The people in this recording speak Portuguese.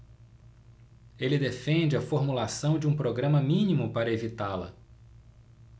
ele defende a formulação de um programa mínimo para evitá-la